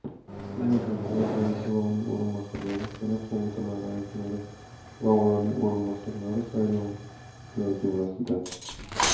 jumladan senat raisi va uning o'rinbosarlari senat qo'mitalari raislari va ularning o'rinbosarlari saylovi shular jumlasidan